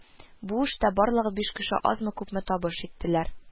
Бу эштә барлыгы биш кеше азмы-күпме табыш иттеләр